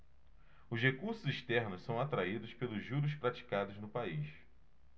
os recursos externos são atraídos pelos juros praticados no país